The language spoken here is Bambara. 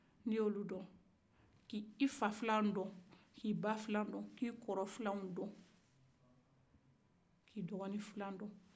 ni y'o lu dɔn ki fa dɔn ki fa filan dɔn ki ba filan dɔn ki kɔrɔkɛ filan dɔn k'i dɔgɔni filan dɔn